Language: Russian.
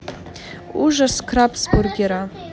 ужас крабсбургера